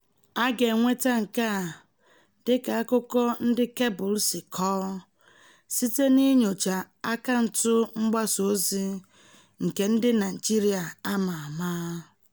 A ga-enweta nke a, dị ka akụkọ ndị Cable si kọọ, site n'inyocha akaụntụ mgbasa ozi nke "ndị Naịjirịa a ma ama".